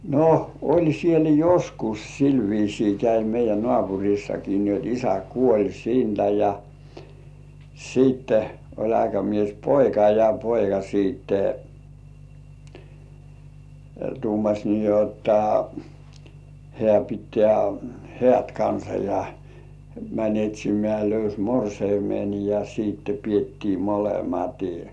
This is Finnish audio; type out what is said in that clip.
no oli siellä joskus sillä viisiin kävi meidän naapurissakin niin jotta isä kuoli siitä ja sitten oli aikamiespoika ja poika sitten tuumasi niin jotta hän pitää häät kanssa ja meni etsimään löysi morsiamen ja sitten pidettiin molemmat